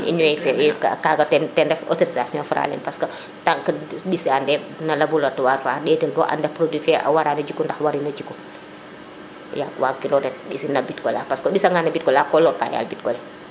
in way se a kaga ten ref autorisation Fra le parce que tant que ɓisaande na laboratoire fa ndetin bo an ndax produit fe wara no jiku ndax warirano jiku wag kiro ret mbisin no boutique ola prace que mbisa ngan no boutique ola ko lor ka yalo boutique ole